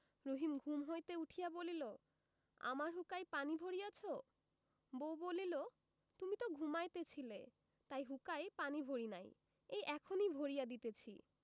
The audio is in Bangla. রহিম ঘুম হইতে উঠিয়া বলিল আমার হুঁকায় পানি ভরিয়াছ বউ বলিল তুমি তো ঘুমাইতেছিলে তাই হুঁকায় পানি ভরি নাই এই এখনই ভরিয়া দিতেছি